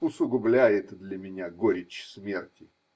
усугубляет для меня горечь смерти.